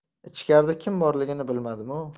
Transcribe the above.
ichkarida kim borligini bilmadimu